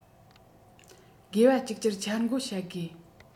དགོས པ གཅིག གྱུར འཆར འགོད བྱ དགོས